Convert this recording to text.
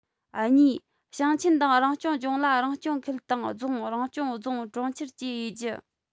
གཉིས ཞིང ཆེན དང རང སྐྱོང ལྗོངས ལ རང སྐྱོང ཁུལ དང རྫོང རང སྐྱོང རྫོང གྲོང ཁྱེར བཅས དབྱེ རྒྱུ